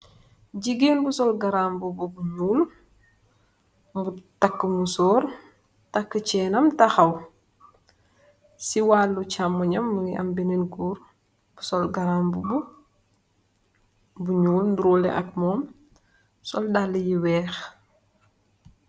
Gigeen bu sol garambubu bu ñuul mu takka mesor takka cèèn nam taxaw. Ci walu camooy am, mugii am benen gór bu sol garambubu bu ñuul niroleh ak mum sol dalli yu wèèx.